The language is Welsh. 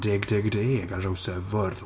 Dig dig dig ar draws y fwrdd.